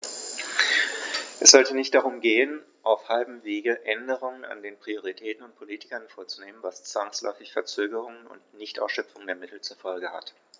Es sollte nicht darum gehen, auf halbem Wege Änderungen an den Prioritäten und Politiken vorzunehmen, was zwangsläufig Verzögerungen und Nichtausschöpfung der Mittel zur Folge hat.